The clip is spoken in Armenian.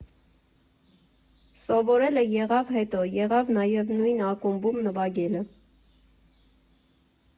Սովորելը եղավ, հետո եղավ նաև նույն ակումբում նվագելը։